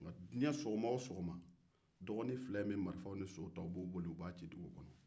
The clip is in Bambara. diɲɛ sɔgɔma o sɔgɔma dɔgɔni fila in sokɛ ani ka marifaw ci dugu kɔnɔ